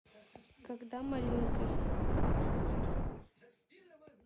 когда малинка